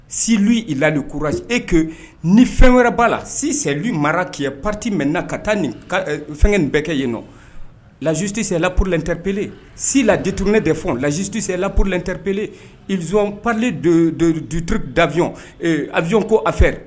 Silu i laduk kura e ni fɛn wɛrɛ b'a la si seliyilu mara ki p parriti mɛn na ka taa nin fɛnkɛ nin bɛɛ kɛ yen nɔ lazyio tɛ se la porourllɛrepere si ladit ne de fɔ lazyiti se la porourltpere izɔn pale don dutto dayɔn ayɔn ko a fɛɛrɛ